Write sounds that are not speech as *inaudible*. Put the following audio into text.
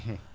*hesitation* *hesitation*